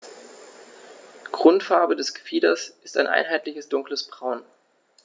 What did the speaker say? Grundfarbe des Gefieders ist ein einheitliches dunkles Braun.